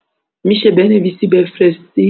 می‌شه بنویسی بفرستی